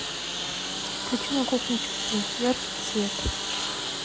включи на кухне теплый яркий свет